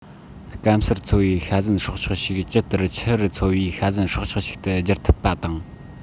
སྐམ སར འཚོ བའི ཤ ཟན སྲོག ཆགས ཤིག ཇི ལྟར ཆུ རུ འཚོ བའི ཤ ཟན སྲོག ཆགས ཤིག ཏུ འགྱུར ཐུབ པ དང